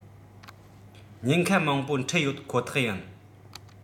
ཉེན ཁ མང པོ འཕྲད ཡོད ཁོ ཐག ཡིན